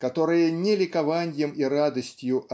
которая не ликованьем и радостью